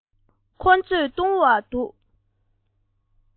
ཁོ ཚོས བཏུང བ འདུག